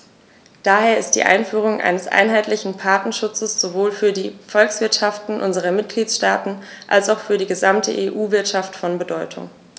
Daher ist die Einführung eines einheitlichen Patentschutzes sowohl für die Volkswirtschaften unserer Mitgliedstaaten als auch für die gesamte EU-Wirtschaft von Bedeutung.